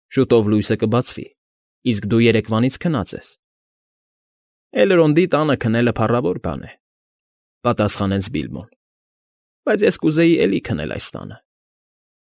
Շուտով լույսը կբացվի, իսկ դու երեկվանից քնած ես։ ֊ Էլդրոնի տանը քնելը փառավոր բան է,֊ պատասխանեց Բիլբոն,֊ բայց ես կուզեի էլի քնել այս տանը։